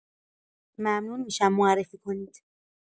ممنون می‌شم معرفی کنید